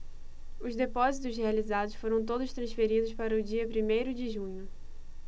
os depósitos realizados foram todos transferidos para o dia primeiro de junho